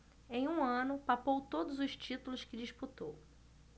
em um ano papou todos os títulos que disputou